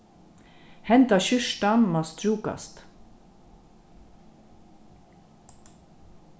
henda skjúrtan má strúkast